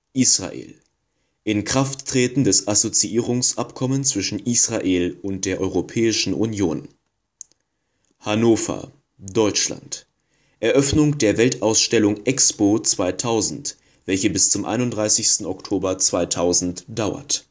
Israel: Inkrafttreten des Assoziationsabkommen zwischen Israel und der EU. Hannover/Deutschland: Eröffnung der Weltausstellung EXPO 2000, welche bis zum 31. Oktober 2000 dauert